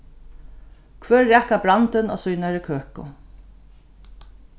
hvør rakar brandin at sínari køku